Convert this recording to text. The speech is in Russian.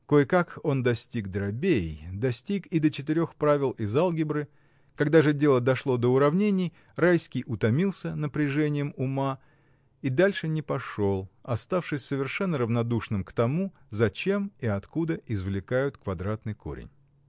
Кое-как он достиг дробей, достиг и до четырех правил из алгебры, когда же дело дошло до уравнений, Райский утомился напряжением ума и дальше не пошел, оставшись совершенно равнодушным к тому, зачем и откуда извлекают квадратный корень.